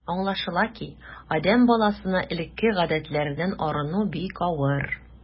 Аңлашыла ки, адәм баласына элекке гадәтләреннән арыну бик авыр.